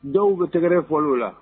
Dɔw be tɛgɛrɛ fɔl'o la